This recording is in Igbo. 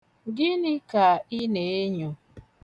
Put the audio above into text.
Gịnị ka ị na-enyo?